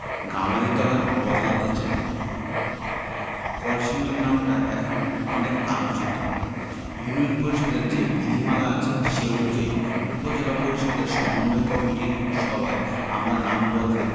গামারিতলা বদলাতে চাই কলসিন্দুর নামটা এখন অনেক আলোচিত ইউনিয়ন পরিষদের যে বিধিমালা আছে সে অনুযায়ী উপজেলা পরিষদের সমন্বয় কমিটির সভায় আমরা নাম বদলে